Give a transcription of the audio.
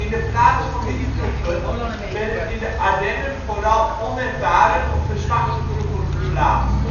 de plaats van die troepen werden in de Ardennen vooral onervaren of verzwakte troepen geplaatst